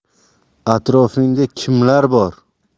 atrofingda kimlar bor